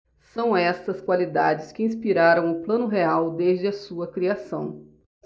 são essas qualidades que inspiraram o plano real desde a sua criação